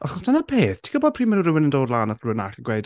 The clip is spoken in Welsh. Achos dyna'r peth, ti'n gwybod pryd mae rywun yn dod lan at rywun arall a gweud...